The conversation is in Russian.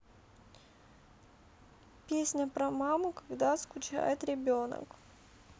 песня про маму когда скучает ребенок